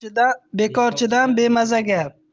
bekorchidan bemaza gap